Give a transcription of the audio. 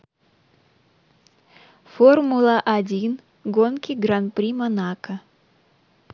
формула один гонки гран при монако